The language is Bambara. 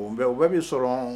U bɛ, u bɛ min sɔrɔ